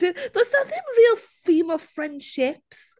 D- does 'na ddim real female friendships.